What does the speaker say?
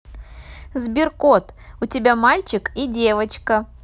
сберкот у тебя мальчик и девочка